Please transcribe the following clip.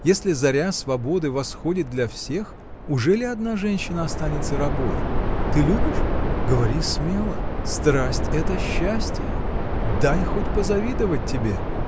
Если заря свободы восходит для всех: ужели одна женщина останется рабой? Ты любишь? Говори смело. Страсть — это счастье. Дай хоть позавидовать тебе!